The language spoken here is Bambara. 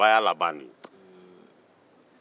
ɲama y'a laban de ye